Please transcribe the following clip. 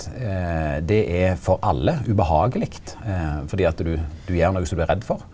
det er for alle ubehageleg fordi at du du gjer noko som du er redd for.